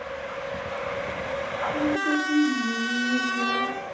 растопи меня нежно